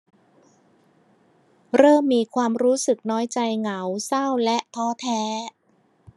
เริ่มมีความรู้สึกน้อยใจเหงาเศร้าและท้อแท้